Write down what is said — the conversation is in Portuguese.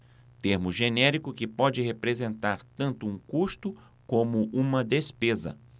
termo genérico que pode representar tanto um custo como uma despesa